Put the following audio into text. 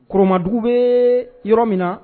Koromadugu bɛ yɔrɔ min na